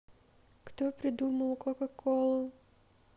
кто придумал кока колу